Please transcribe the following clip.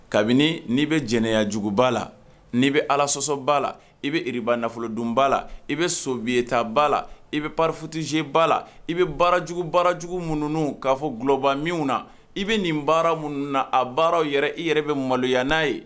Kabini n'i bɛ jɛnɛyajuguba la n'i bɛ ala sɔsɔba la i bɛ yiriba nafolodon ba la i bɛ sobita ba la i bɛ fitize ba la i bɛ baarajugu baarajugu minnu kaa fɔlɔba min na i bɛ nin baara minnu na a baaraw yɛrɛ i yɛrɛ bɛ maloya n'a ye